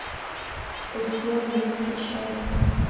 спусти английский чай